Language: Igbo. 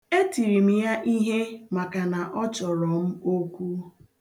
Etiri m ya ihe maka na ọ chọrọ m okwu.